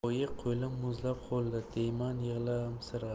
oyi qo'lim muzlab qoldi deyman yig'lamsirab